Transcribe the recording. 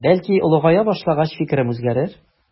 Бәлки олыгая башлагач фикерем үзгәрер.